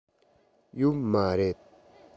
ཡོད མ རེད